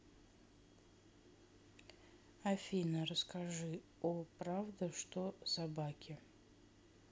афина расскажи о правда что собаки